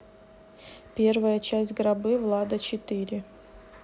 первая часть гробы влада четыре